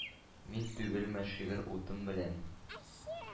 Мин түгелме шигырь утым белән